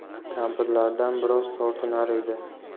kampirlardan biroz tortinar edi